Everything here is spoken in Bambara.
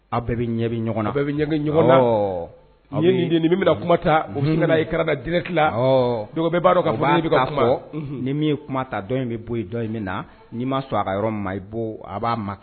Aw bɛɛ bɛ ɲɛ bɛ ɲɔgɔn na, bɛɛ bɛ ɲɛ ɲɔgɔn na ɔhɔ, ni min bɛna kuma ta i b'o ye écran na direct la donc bɛɛ b'a don nin bɛna kuma o b'a ta fɔ ni min ye kuma ta dɔ in bɛ bɔ yen dɔn in min na nii m ma sɔn a ka yɔrɔ min ma i bɔ a b'a ma